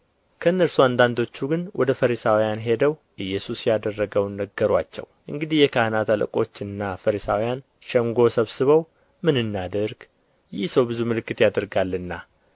ከእነርሱ አንዳንዶቹ ግን ወደ ፈሪሳውያን ሄደው ኢየሱስ ያደረገውን ነገሩአቸው እንግዲህ የካህናት አለቆችና ፈሪሳውያን ሸንጎ ሰብስበው ምን እናድርግ ይህ ሰው ብዙ ምልክቶች ያደርጋልና